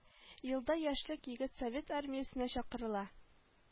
Елда яшьлек егет совет армиясенә чакырыла